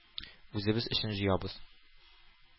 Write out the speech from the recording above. Үзебез өчен җыябыз.